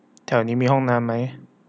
แถวนี้มีห้องน้ำมั้ย